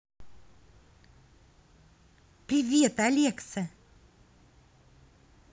привет алекса